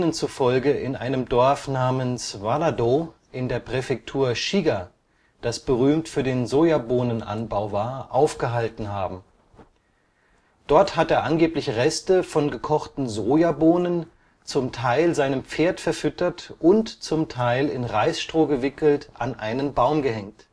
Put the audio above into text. zufolge in einem Dorf namens Warado in der Präfektur Shiga, das berühmt für den Sojabohnenanbau war, aufgehalten haben. Dort hat er angeblich Reste von gekochten Sojabohnen zum Teil seinem Pferd verfüttert und zum Teil in Reisstroh gewickelt an einen Baum gehängt